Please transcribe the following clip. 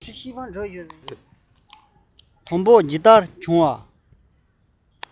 དང པོ ཇི ལྟར བྱུང བ དང